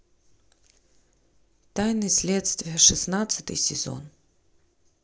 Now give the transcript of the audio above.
тайны следствия шестнадцатый сезон